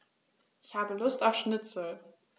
Ich habe Lust auf Schnitzel.